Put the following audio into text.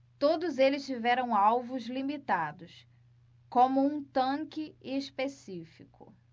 todos eles tiveram alvos limitados como um tanque específico